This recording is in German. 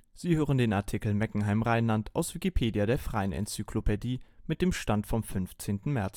Sie hören den Artikel Meckenheim (Rheinland), aus Wikipedia, der freien Enzyklopädie. Mit dem Stand vom Der